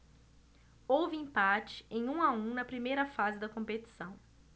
houve empate em um a um na primeira fase da competição